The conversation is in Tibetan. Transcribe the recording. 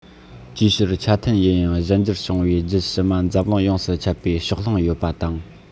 ཅིའི ཕྱིར ཆ མཐུན ཡིན ཡང གཞན འགྱུར བྱུང བའི རྒྱུད ཕྱི མ འཛམ གླིང ཡོངས སུ ཁྱབ པའི ཕྱོགས ལྷུང ཡོད པ དང